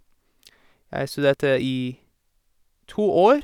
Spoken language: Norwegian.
Jeg studerte i to år.